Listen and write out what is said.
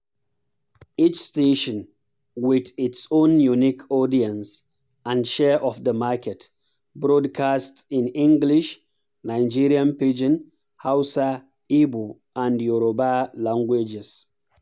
Each station — with its own unique audience and share of the market — broadcasts in English, Nigerian Pidgin, Hausa, Igbo and Yorùbá languages.